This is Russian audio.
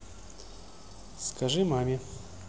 скажи маме